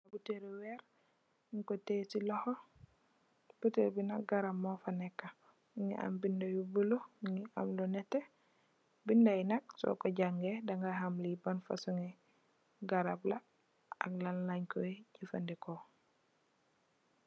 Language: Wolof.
Butehli wehrre munkoh tiyeh cii lokhor, butehll bii nak garab mofa neka, mungy am binda yu bleu, mungy am lu nehteh, binda yii nak sor kor jangeh danga ham lii ban fasoni garab la ak lan langh koi jeufandehkor.